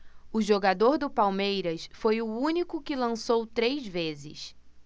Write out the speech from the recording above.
o jogador do palmeiras foi o único que lançou três vezes